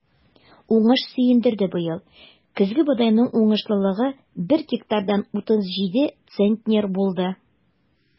Уңыш сөендерде быел: көзге бодайның уңышлылыгы бер гектардан 37 центнер булды.